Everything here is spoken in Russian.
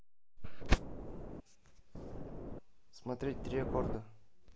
смотреть три аккорда